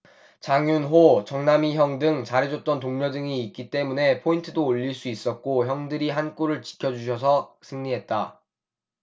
장윤호 정남이형 등 잘해줬던 동료들이 있기 때문에 포인트도 올릴 수 있었고 형들이 한골을 지켜주셔서 승리했다